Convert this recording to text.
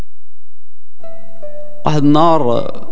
النار